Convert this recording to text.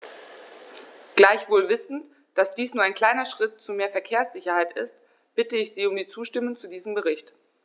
Gleichwohl wissend, dass dies nur ein kleiner Schritt zu mehr Verkehrssicherheit ist, bitte ich Sie um die Zustimmung zu diesem Bericht.